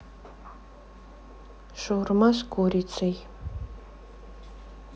шаурма с курицей